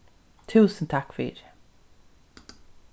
túsund takk fyri